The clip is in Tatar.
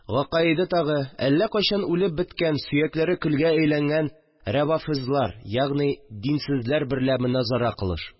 Гакаиды тагы, әллә кайчан үлеп беткән, сөякләре көлгә әйләнгән рәвафойзләр, ягъни динсезләр берлә моназарә кылыш